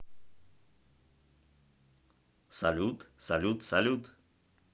салют салют салют